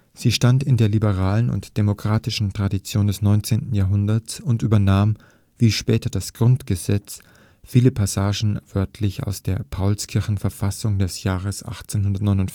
Sie stand in der liberalen und demokratischen Tradition des 19. Jahrhunderts und übernahm – wie später das Grundgesetz – viele Passagen wörtlich aus der Paulskirchenverfassung des Jahres 1849